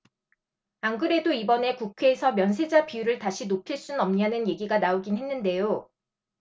안 그래도 이번에 국회에서 면세자 비율을 다시 높일 순 없냐는 얘기가 나오긴 했는데요